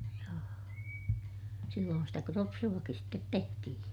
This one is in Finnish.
joo silloin sitä kropsuakin sitten tehtiin